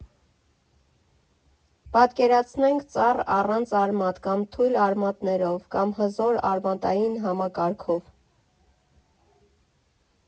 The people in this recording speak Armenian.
Պատկերացնենք ծառ առանց արմատ, կամ թույլ արմատներով, կամ հզոր արմատային համակարգով.